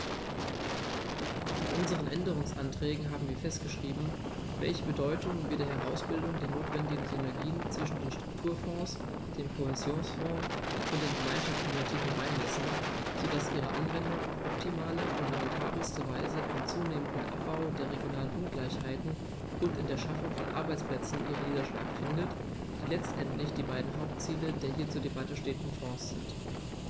In unseren Änderungsanträgen haben wir festgeschrieben, welche Bedeutung wir der Herausbildung der notwendigen Synergien zwischen den Strukturfonds, dem Kohäsionsfonds und den Gemeinschaftsinitiativen beimessen, so dass ihre Anwendung auf optimale und rentabelste Weise im zunehmenden Abbau der regionalen Ungleichheiten und in der Schaffung von Arbeitsplätzen ihren Niederschlag findet, die letztendlich die beiden Hauptziele der hier zur Debatte stehenden Fonds sind.